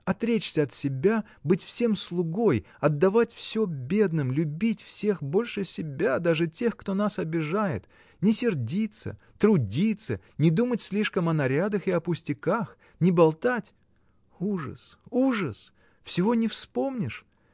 Отречься от себя, быть всем слугой, отдавать всё бедным, любить всех больше себя, даже тех, кто нас обижает, не сердиться, трудиться, не думать слишком о нарядах и о пустяках, не болтать. ужас, ужас! Всего не вспомнишь!